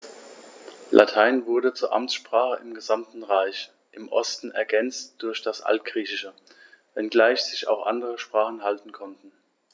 Latein wurde zur Amtssprache im gesamten Reich (im Osten ergänzt durch das Altgriechische), wenngleich sich auch andere Sprachen halten konnten.